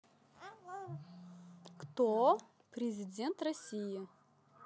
кто президент россии